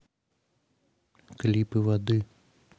клипы воды